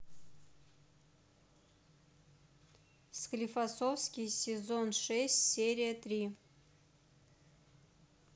склифосовский сезон шесть серия три